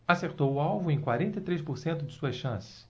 acertou o alvo em quarenta e três por cento das suas chances